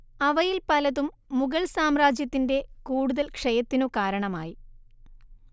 അവയിൽ പലതും മുഗൾ സാമ്രാജ്യത്തിന്റെ കൂടുതൽ ക്ഷയത്തിനു കാരണമായി